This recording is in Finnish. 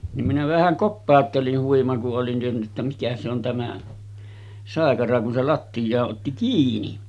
niin minä vähän kopauttelin huima kun olin en tiennyt että mikä se on tämä saikara kun se lattiaan otti kiinni